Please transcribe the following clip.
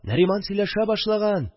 – нариман сөйләшә башлаган